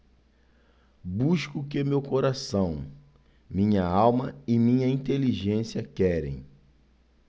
busco o que meu coração minha alma e minha inteligência querem